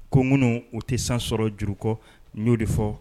Kom u tɛ san sɔrɔ juruko n'o de fɔ